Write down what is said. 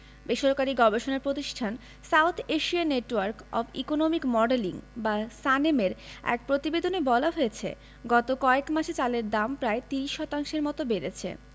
বেসরকারি গবেষণা প্রতিষ্ঠান South Asian network on economic modelling বা সানেমের এক প্রতিবেদনে বলা হয়েছে গত কয়েক মাসে চালের দাম প্রায় ৩০ শতাংশের মতো বেড়েছে